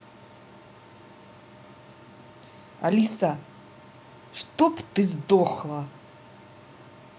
алиса чтоб ты сдохла